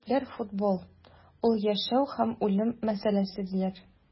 Күпләр футбол - ул яшәү һәм үлем мәсьәләсе, диләр.